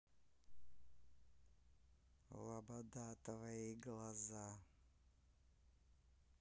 loboda твои глаза